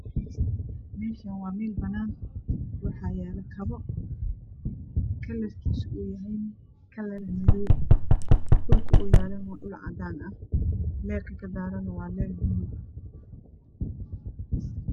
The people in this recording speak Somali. Meeshan waa meel baan waxaa yaalo kabo kalarkiisu uu yahay kalar madoow ah dhulka uu yaalana waa dhul cadaan ah leerka kadaarana waa leer buluug ah